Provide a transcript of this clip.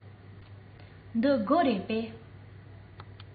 འདི སྒོ རེད པས